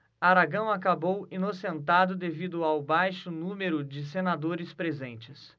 aragão acabou inocentado devido ao baixo número de senadores presentes